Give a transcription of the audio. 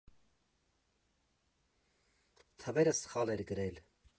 Թվերը սխալ էր գրել։